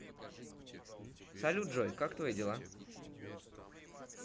салют джой как твои дела